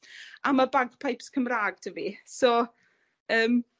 A ma' bagpipes Cymra'g 'da fi, so yym